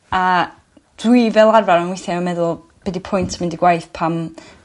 A dwi fel arfer yn weithia' yn meddwl be' 'di pwynt mynd i gwaith pan